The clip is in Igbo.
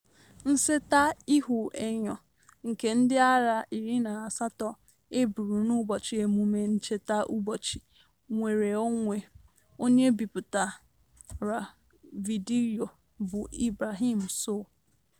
Nseta ihuenyo nke ndị agha 28 e gburu n'Ụbọchị Emume Ncheta Ụbọchị Nnwereonwe - Onye bipụtara vidiyo bụ Ibrahima Sow.